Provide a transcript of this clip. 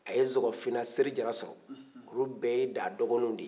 a ye zokofinna seri jara sɔrɔ olu bɛɛ ye da dɔgɔninw de ye